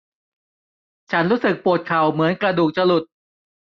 ฉันรู้สึกปวดเข่าเหมือนกระดูกจะหลุด